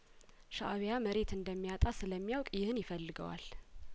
ሻእብያመሬት እንደሚያጣ ስለሚ ያውቅ ይህን ይፈልገዋል